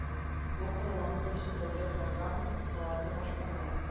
Бу кораллану буенча дәүләт программасы кысаларында башкарыла